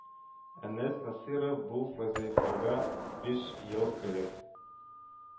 Әнәс Насыйров бу вазыйфага биш ел элек